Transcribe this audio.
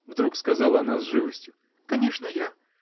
— вдруг сказала она с живостью, — конечно я.